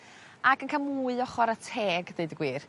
ac yn ca'l mwy o chwara teg deud y gwir.